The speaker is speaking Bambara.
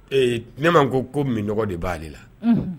Ne ma ko ko minnɔgɔ de b'a ale la